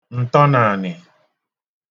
ǹtọnàànị